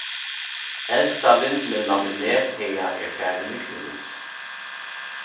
elsta vindmyllan í neshaga er farin í knús